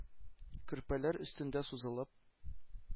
Көрпәләр өстендә сузылып,